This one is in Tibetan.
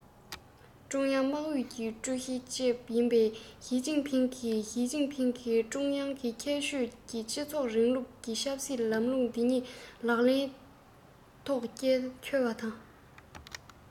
ཀྲུང དབྱང དམག ཨུད ཀྱི ཀྲུའུ ཞི བཅས ཡིན པའི ཞིས ཅིན ཕིང གིས ཞིས ཅིན ཕིང གིས ཀྲུང གོའི ཁྱད ཆོས ཀྱི སྤྱི ཚོགས རིང ལུགས ཀྱི ཆབ སྲིད ལམ ལུགས དེ ཉིད ལག ལེན ཐོག འཁྱོལ བ དང